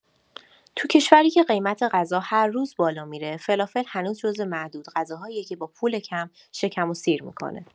تو کشوری که قیمت غذا هر روز بالا می‌ره، فلافل هنوز جزو معدود غذاهاییه که با پول کم، شکم رو سیر می‌کنه.